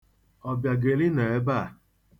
Ọbịageli nọ ebea.